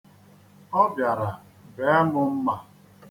Ọ bịara bee m mma.